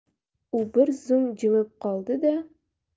u bir zum jimib qoldi da